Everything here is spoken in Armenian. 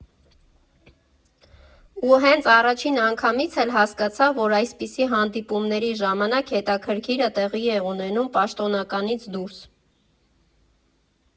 Ու հենց առաջին անգամից էլ հասկացա, որ այսպիսի հանդիպումների ժամանակ հետաքրքիրը տեղի է ունենում «պաշտոնականից» դուրս։